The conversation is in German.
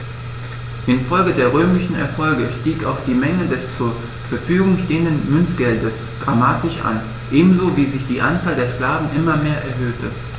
Infolge der römischen Erfolge stieg auch die Menge des zur Verfügung stehenden Münzgeldes dramatisch an, ebenso wie sich die Anzahl der Sklaven immer mehr erhöhte.